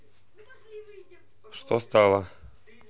что стало